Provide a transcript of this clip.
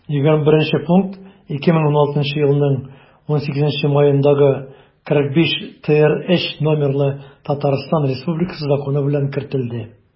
21 пункт 2016 елның 18 маендагы 45-трз номерлы татарстан республикасы законы белән кертелде